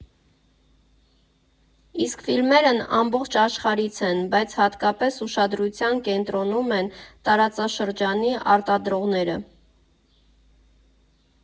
Իսկ ֆիլմերն ամբողջ աշխարհից են, բայց հատկապես ուշադրության կենտրոնում են տարածաշրջանի արտադրողները։